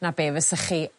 na be fysach chi